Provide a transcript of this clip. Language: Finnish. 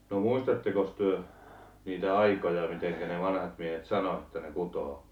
no muistattekos te niitä aikoja miten ne vanhat miehet sanoi että ne kutee